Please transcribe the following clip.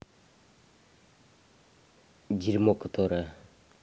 дерьмо которое